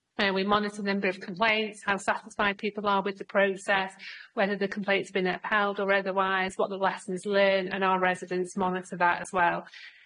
Err, we monitor them for complaints, how satisfied people are with the process, whether the complaint's been upheld or otherwise, what the lessons learned, and our residents monitor that as well.